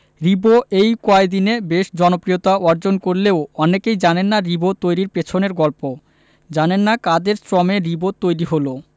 রিবো এই কয়দিনে বেশ জনপ্রিয়তা অর্জন করলেও অনেকেই জানেন না রিবো তৈরির পেছনের গল্প জানেন না কাদের শ্রমে রিবো তৈরি হলো